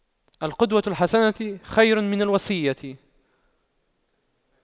القدوة الحسنة خير من الوصية